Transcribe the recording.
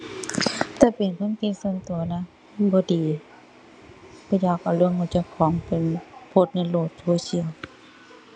ถ้าเป็นความคิดส่วนตัวนะ มันบ่ดี บ่อยากเอาเรื่องของเจ้าของไปโพสต์ในโลกโซเชียล